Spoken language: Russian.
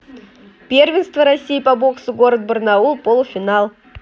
первенство россии по боксу город барнаул полуфинал